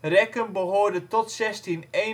Rekken behoorde tot 1651